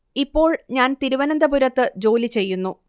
ഇപ്പോൾ ഞാൻ തിരുവനന്തപുരത്ത് ജോലി ചെയ്യുന്നു